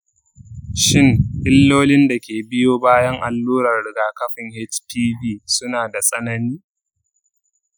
shin illolin da ke biyo bayan allurar rigakafin hpv suna da tsanani?